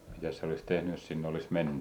mitäs se olisi tehnyt jos sinne olisi mennyt